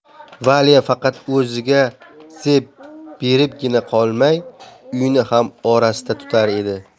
valya faqat o'ziga zeb beribgina qolmay uyni ham orasta tutar edi